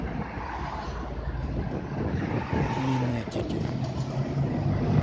минетики